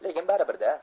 lekin baribir da